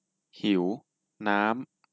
หิวน้ำ